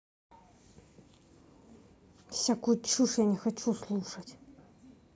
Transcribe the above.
всякую чушь я не хочу слушать